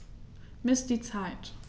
Miss die Zeit.